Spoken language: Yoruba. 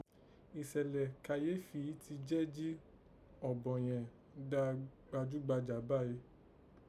Ìṣẹ̀lẹ̀ kàyéfì ti jẹ́ jí ọ̀bọ̀n yẹ̀n dá gbajúgbajà báyìí